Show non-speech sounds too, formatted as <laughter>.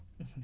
<hesitation> <hesitation>